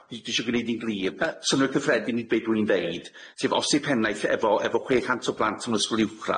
Dwi jys' isio gneud hi'n glir...Yy synnwyr cyffredin i be' dwi'n ddeud sef os 'di pennaeth efo efo chwe chant o blant mewn ysgol uwchradd